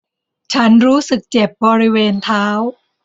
ฉันรู้สึกเจ็บบริเวณเท้า